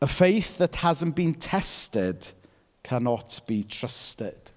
A faith that hasn't been tested cannot be trusted.